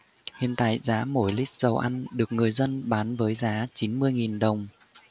hiện tại giá mỗi lít dầu ăn được người dân bán với giá chín mươi nghìn đồng